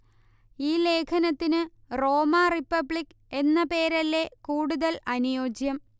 ഈ ലേഖനത്തിനു Roma republic എന്ന പേര് അല്ലേ കൂടുതൽ അനുയോജ്യം